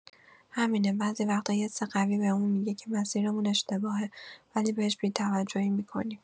همینه، بعضی وقتا یه حس قوی بهمون می‌گه که مسیرمون اشتباهه، ولی بهش بی‌توجهی می‌کنیم.